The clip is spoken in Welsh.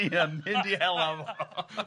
Yn union mynd i hela fo.